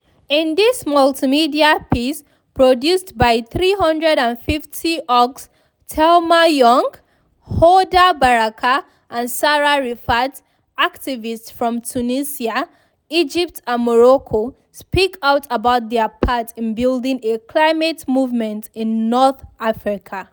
In this multimedia piece produced by 350.org’s Thelma Young, Hoda Baraka and Sarah Rifaat, activists from Tunisia, Egypt and Morocco speak out about their part in building a climate movement in North Africa.